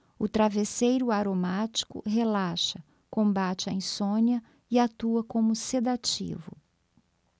o travesseiro aromático relaxa combate a insônia e atua como sedativo